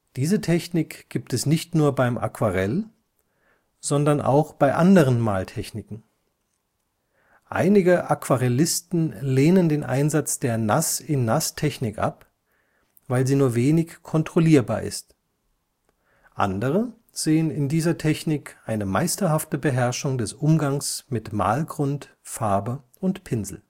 Diese Technik gibt es nicht nur beim Aquarell, sondern auch bei anderen Maltechniken. Einige Aquarellisten lehnen den Einsatz der Nass-in-Nass-Technik ab, weil sie nur wenig kontrollierbar ist. Andere sehen in dieser Technik eine meisterhafte Beherrschung des Umgangs mit Malgrund, Farbe und Pinsel